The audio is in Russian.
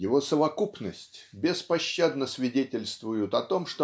его совокупность беспощадно свидетельствуют о том